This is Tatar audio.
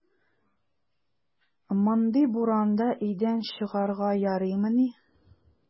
Мондый буранда өйдән чыгарга ярыймыни!